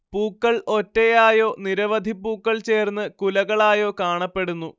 പൂക്കൾ ഒറ്റയായോ നിരവധി പൂക്കൾ ചേർന്ന് കുലകളായോ കാണപ്പെടുന്നു